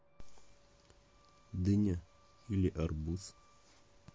дыня или арбуз